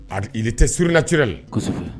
A ili tɛ slatire la